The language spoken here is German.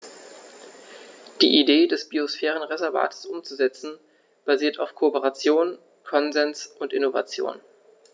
Die Idee des Biosphärenreservates umzusetzen, basiert auf Kooperation, Konsens und Innovation.